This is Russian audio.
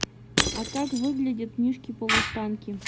а как выглядят мышки полустанки